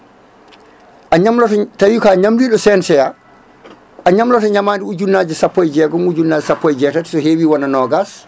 a ñamloto tawi ka ñamliɗo CNCA a ñamloto ñamade ujunaje sappo e jeegom ujunnaje sappo e jeetati so hewi wona nogas